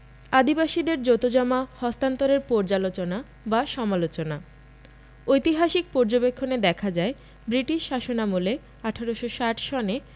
আদিবাসীদের জোতজমা হন্তান্তরের পর্যালোচনা বা সমালোচনা ঐতিহাসিক পর্যবেক্ষনে দেখা যায় বৃটিশ শাসনামলে ১৮৬০ সনে